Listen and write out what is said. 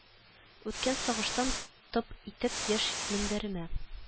Үткән сагыштан тып итеп яшь мендәремә